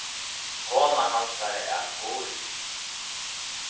kona hansara æt guðrið